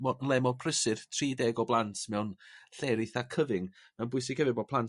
mo- le mor prysur tri deg o blant mewn lle eitha cyfyng ma'n bwysig hefy bo' plant